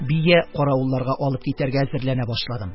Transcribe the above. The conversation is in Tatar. Бия каравылларга алып китәргә әзерләнә башладым.